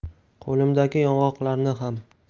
qo'limdagi yong'oqlarni ham